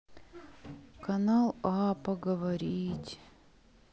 канал а поговорить